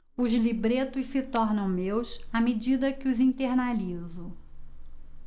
os libretos se tornam meus à medida que os internalizo